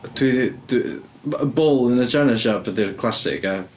Dwi 'di dwi... Bull in a china shop ydy'r classic ia?